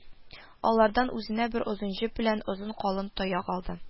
Алардан үзенә бер озын җеп белән озын калын таяк алды